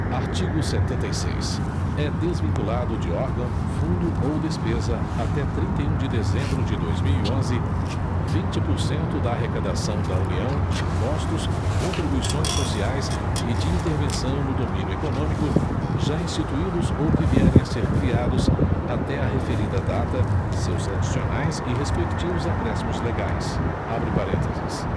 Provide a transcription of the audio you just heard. artigo setenta e seis é desvinculado de órgão fundo ou despesa até trinta e um de dezembro de dois mil e onze vinte por cento da arrecadação da união de impostos contribuições sociais e de intervenção no domínio econômico já instituídos ou que vierem a ser criados até a referida data seus adicionais e respectivos acréscimos legais abre parênteses